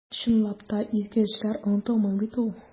Чынлап та, изге эшләр онытылмый бит ул.